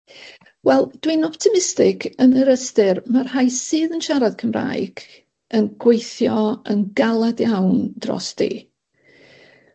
Wel, dwi'n optimistig yn yr ystyr ma' rhai sydd yn siarad Cymraeg yn gweithio yn galad iawn drosti.